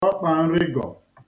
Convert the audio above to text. ọkpànrịgọ̀